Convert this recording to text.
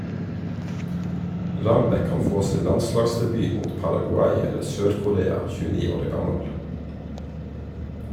Rambekk kan få sin landslagsdebut mot Paraguay eller Sør-Korea, 29 år gammel.